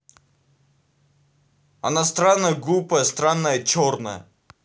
она красивая глупая странная черная